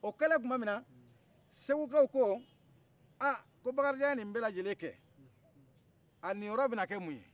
o kɛlen tumaminna segukaw ko ko bakarijan ye nin bɛlajelen kɛ a nin yɔrɔ bɛna kɛ mun ye